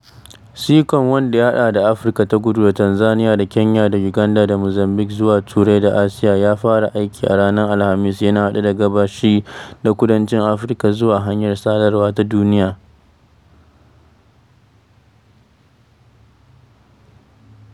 Seacom, wanda ya haɗa Afirka ta Kudu da Tanzania da Kenya da Uganda da Mozambique zuwa Turai da Asiya, ya fara aiki a ranar Alhamis, yana haɗe gabashi da kudancin Afirka zuwa hanyar sadarwa ta duniya.